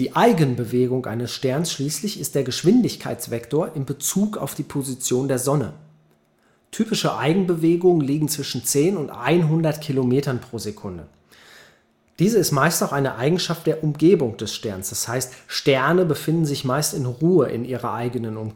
Eigenbewegung eines Sterns schließlich ist der Geschwindigkeitsvektor in Bezug auf die Position der Sonne. Typische Eigenbewegungen liegen zwischen 10 und 100 Kilometern pro Sekunde. Diese ist meist auch eine Eigenschaft der Umgebung des Sterns, d. h. Sterne befinden sich meist in Ruhe in ihrer eigenen